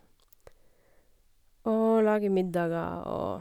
Og lager middager og...